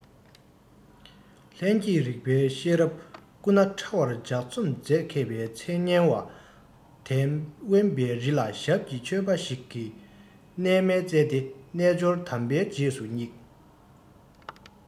ལྷན སྐྱེས རིགས པའི ཤེས རབ སྐུ ན ཕྲ བར ལྗགས རྩོམ མཛད མཁས པའི མཚན སྙན བ དན དབེན པའི རི ལ ཞབས ཀྱིས ཆོས པ ཞིག གི གནས མལ བཙལ ཏེ རྣལ འབྱོར དམ པའི རྗེས སུ བསྙེགས